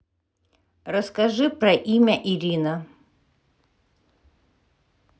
расскажи про имя ирина